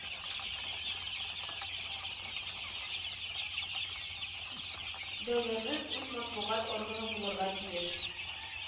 Дәүләтнең үз матбугат органы булырга тиеш